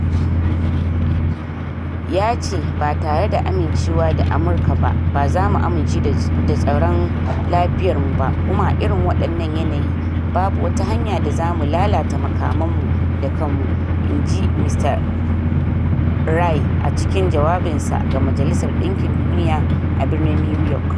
Ya ce, "Ba tare da amincewa da Amurka ba, ba za mu amince da tsaron lafiyarmu ba, kuma a irin wadannan yanayi, babu wata hanyar da zamu lalata makaman mu da kanmu," in ji Mr Ri a cikin jawabinsa ga Majalisar Dinkin Duniya a birnin New York.